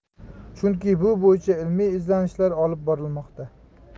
chunki bu bo'yicha ilmiy izlanishlar olib borilmoqda